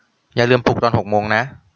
อย่าลืมปลุกตอนหกโมงนะ